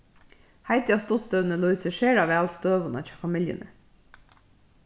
heitið á stuttsøguni lýsir sera væl støðuna hjá familjuni